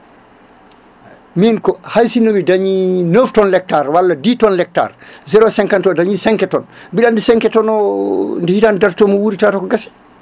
min ko hay sinno mi dañi 9 tonnes l' hectares walla 10 tonnes l' hectares 0,50 dañi 5 tonnes o nde hitande darto mo wuuri tawata ko gasi